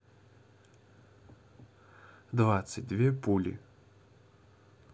двадцать две пули